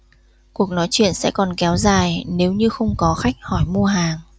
cuộc nói chuyện sẽ còn kéo dài nếu như không có khách hỏi mua hàng